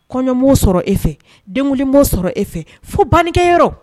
Kɔɲɔ m'o sɔrɔ e fɛ, denkundi mo sɔrɔ e fɛ, fo banni kɛ yɔrɔ